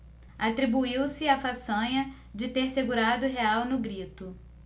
atribuiu-se a façanha de ter segurado o real no grito